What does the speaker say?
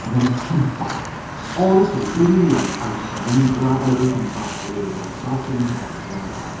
Ma' fe'n twmpath! Honestly, bring the o- house 'round, we'll have a little twmpath by here now, start singing cerdds and all that.